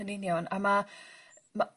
Yn union a ma' ma'